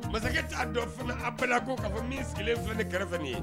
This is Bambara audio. Masakɛ ta dɔn fana a bada ko ka fɔ min sigilen filɛ ne kɛrɛfɛ ni ye